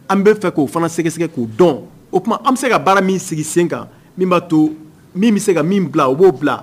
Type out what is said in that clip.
An bɛa fɛ k'o fana sɛgɛsɛgɛ k'o dɔn o tuma an bɛ se ka baara min sigi sen kan min b'a to min bɛ se ka min bila o b'o bila